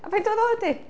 A faint oedd dy oed 'di?